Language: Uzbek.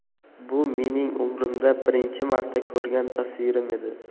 bu mening umrimda birinchi marta ko'rgan tasvirim edi